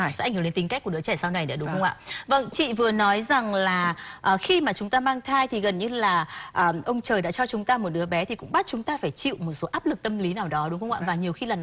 sẽ ảnh hưởng đến tính cách của đứa trẻ sau này đúng không ạ vâng chị vừa nói rằng là ờ khi mà chúng ta mang thai thì gần như là ở ông trời đã cho chúng ta một đứa bé thì cũng bắt chúng ta phải chịu một số áp lực tâm lý nào đó đúng không ạ và nhiều khi là nó